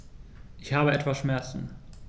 Ich habe etwas Schmerzen.